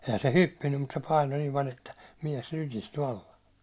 eihän se hyppinyt mutta se painoi niin paljon että mies lykistyi alla